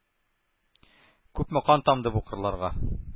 Күпме кан тамды бу кырларга.